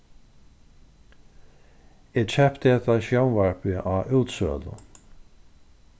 eg keypti hetta sjónvarpið á útsølu